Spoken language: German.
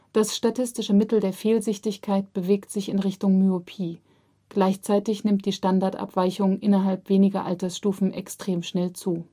das statistische Mittel der Fehlsichtigkeit bewegt sich in Richtung Myopie, gleichzeitig nimmt die Standardabweichung innerhalb weniger Altersstufen extrem schnell zu